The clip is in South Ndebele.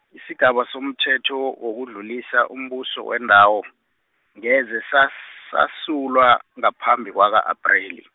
isigaba somthetho, wokudlulisa umbuso wendawo , ngeze sas- sasulwa, ngaphambi kwaka-Apreli.